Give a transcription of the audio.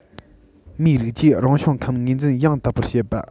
མིའི རིགས ཀྱིས རང བྱུང ཁམས ངོས འཛིན ཡང དག པར བྱེད པ